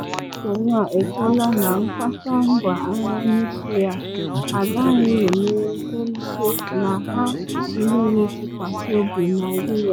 Ndị North Korea ekwuola na nkwasa ngwa agha nuklịa agaghị eme belụsọ na ha enwere ntụkwasị obi na US